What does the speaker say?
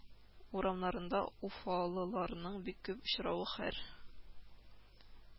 Урамнарында уфалыларның бик күп очравы һәр